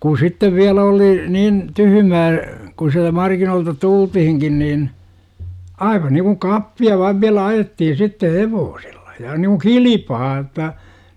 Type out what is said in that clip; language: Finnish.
kun sitten vielä oli niin tyhmää kun sieltä markkinoilta tultiinkin niin aivan niin kuin kappia vain vielä ajettiin sitten hevosella ja niin kuin kilpaa jotta